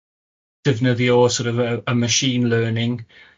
defnyddio, sor' of, y y machine learning